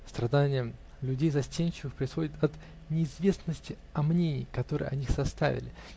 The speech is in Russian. Страдание людей застенчивых происходит от неизвестности о мнении, которое о них составили